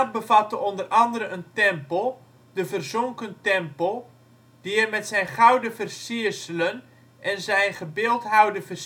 bevatte onder andere een tempel, de " Verzonken Tempel ", die er met zijn gouden versierselen en zijn gebeeldhouwde